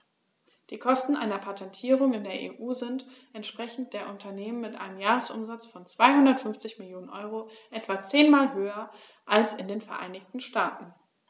Die Kosten einer Patentierung in der EU sind, entsprechend der Unternehmen mit einem Jahresumsatz von 250 Mio. EUR, etwa zehnmal höher als in den Vereinigten Staaten.